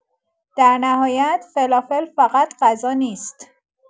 در نهایت، فلافل فقط غذا نیست؛